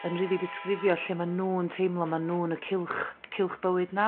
yn rili disgrifio lle ma' nhw yn teimlo ma' nhw yn y cylch cylch bywyd 'na.